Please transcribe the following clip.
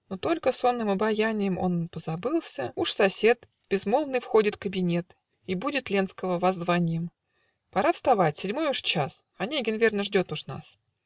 Но только сонным обаяньем Он позабылся, уж сосед В безмолвный входит кабинет И будит Ленского воззваньем: "Пора вставать: седьмой уж час. Онегин верно ждет уж нас".